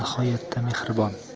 aytib bergan xizr esimga tushadi